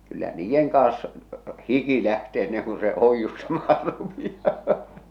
kyllä niiden kanssa hiki lähtee ennen kuin se oiustamaan rupeaa